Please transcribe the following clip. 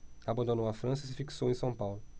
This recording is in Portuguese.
abandonou a frança e se fixou em são paulo